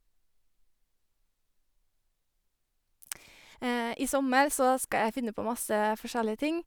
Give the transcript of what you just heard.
I sommer så skal jeg finne på masse forskjellige ting.